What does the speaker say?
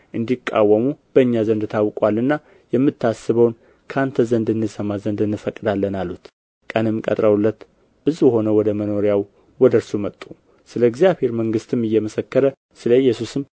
እንዲቃወሙ በእኛ ዘንድ ታውቆአልና የምታስበውን ከአንተ እንሰማ ዘንድ እንፈቅዳለን አሉት ቀንም ቀጥረውለት ብዙ ሆነው ወደ መኖሪያው ወደ እርሱ መጡ ስለ እግዚአብሔር መንግሥትም እየመሰከረ ስለ ኢየሱስም